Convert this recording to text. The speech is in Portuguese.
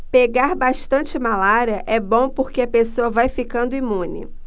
pegar bastante malária é bom porque a pessoa vai ficando imune